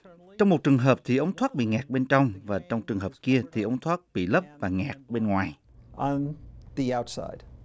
trong một trường hợp thì ống thoát bị ngạt bên trong và trong trường hợp kia thì ống thoát bị lấp và ngạt bên ngoài on dì ao sai